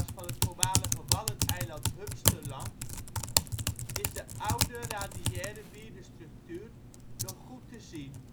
van het voormalige waddeneiland Humsterland, is de oude radiaire wierdestructuur nog goed te zien